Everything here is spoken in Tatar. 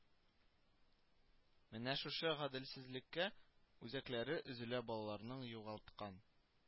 Менә шушы гаделсезлеккә үзәкләре өзелә балаларның югалткан